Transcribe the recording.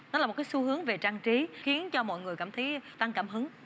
nó là một cái xu hướng về trang trí khiến cho mọi người cảm thấy tăng cảm hứng